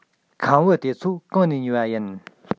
ཁམ བུ དེ ཚོ གང ནས ཉོས པ ཡིན